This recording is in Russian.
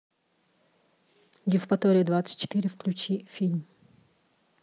евпатория двадцать четыре включи фильм